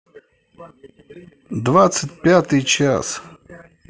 двадцать пятый час